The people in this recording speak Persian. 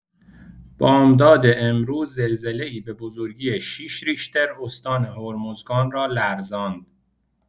بامداد امروز زلزله‌ای به بزرگی ۶ ریش‌تر استان هرمزگان را لرزاند.